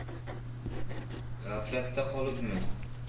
g'aflatda qolibmiz